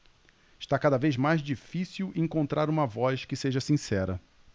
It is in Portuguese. está cada vez mais difícil encontrar uma voz que seja sincera